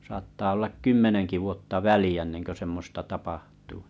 saattaa olla kymmenenkin vuotta väliä ennen kuin semmoista tapahtuu